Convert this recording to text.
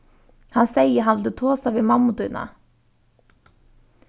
hann segði hann vildi tosa við mammu tína